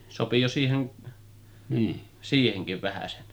sopi jo siihen siihenkin vähäsen